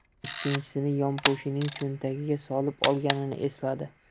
ikkinchisini yompo'shining cho'ntagiga solib olganini esladi